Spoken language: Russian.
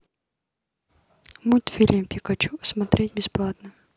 мультфильм пикачу смотреть бесплатно